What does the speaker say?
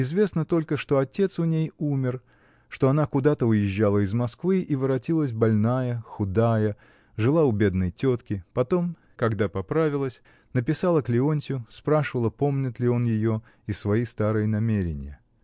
Известно только, что отец у ней умер, что она куда-то уезжала из Москвы и воротилась больная, худая, жила у бедной тетки, потом, когда поправилась, написала к Леонтью, спрашивала, помнит ли он ее и свои старые намерения.